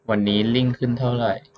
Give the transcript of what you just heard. วันนี้ลิ้งขึ้นเท่าไหร่